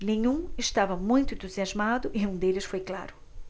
nenhum estava muito entusiasmado e um deles foi claro